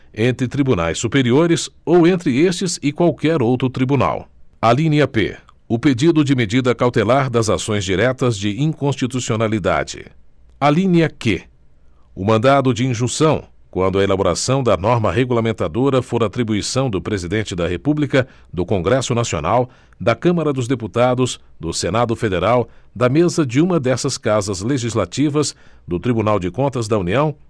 entre tribunais superiores ou entre estes e qualquer outro tribunal alínea p o pedido de medida cautelar das ações diretas de inconstitucionalidade alínea q o mandado de injunção quando a elaboração da norma regulamentadora for atribuição do presidente da república do congresso nacional da câmara dos deputados do senado federal da mesa de uma dessas casas legislativas do tribunal de contas da união